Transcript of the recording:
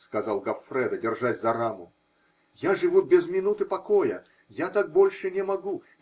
-- сказал Гоффредо, держась за раму. -- Я живу без минуты покоя. Я так больше не могу.